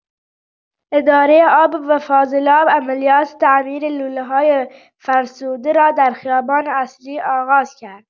اداره آب و فاضلاب عملیات تعمیر لوله‌های فرسوده را در خیابان اصلی آغاز کرد.